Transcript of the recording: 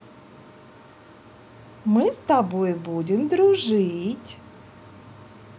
мы с тобой будем дружить